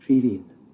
Rhif un.